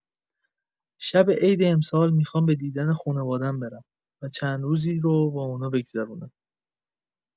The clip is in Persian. شب عید امسال می‌خوام به دیدن خونوادم برم و چند روزی رو با اونا بگذرونم.